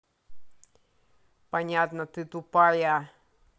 понятно ты тупая